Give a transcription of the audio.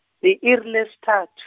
li-iri lesithathu.